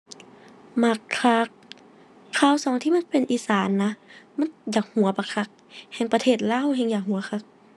มักคักข่าวช่องที่มันเป็นอีสานนะ มันอยากหัวบักคัก แฮ่งประเทศลาวแฮ่งอยากหัวคัก